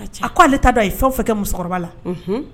A ko' ale ta da a ye fɛn fɛ kɛ musokɔrɔba la